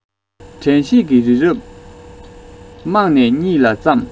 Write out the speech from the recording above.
དྲན ཤེས ཀྱི རི རབ རྨང ནས ཉིལ ལ བརྩམས